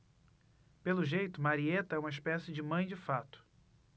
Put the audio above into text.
pelo jeito marieta é uma espécie de mãe de fato